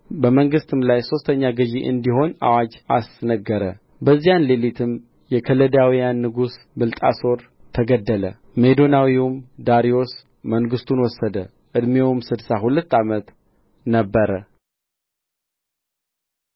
በመንግሥትም ላይ ሦስተኛ ገዥ እንዲሆን አዋጅ አስነገረ በዚያ ሌሊት የከለዳውያን ንጉሥ ብልጣሶር ተገደለ ሜዶናዊውም ዳርዮስ መንግሥቱን ወሰደ ዕድሜውም ስድሳ ሁለት ዓመት ነበረ